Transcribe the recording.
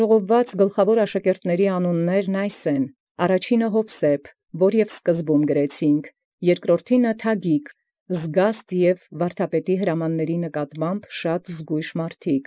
Եւ անուանք գլխաւորաց աշակերտացն ժողովելոցն են այս. առաջնում Յովսէփ, զոր և ի սկզբան գրեցաք. երկրորդին Թադիկ. արք զգաստք, զգուշագոյնք հրամանաց վարդապետութեանն։